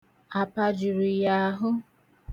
Apa juru ya ahụ.